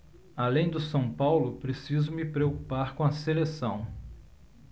além do são paulo preciso me preocupar com a seleção